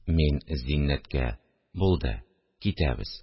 Мин Зиннәткә: – Булды, китәбез